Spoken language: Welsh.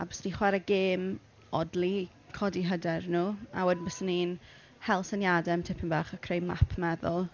A byswn i'n chwarae gêm odli codi hyder nhw. A wedyn byswn i'n hel syniadau am tipyn bach a creu map meddwl.